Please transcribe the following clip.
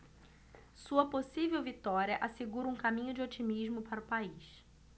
sua possível vitória assegura um caminho de otimismo para o país